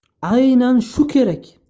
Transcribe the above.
aynan shu kerak